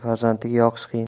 farzandga yoqish qiyin